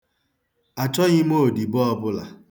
Achọghị odibo ọbụla.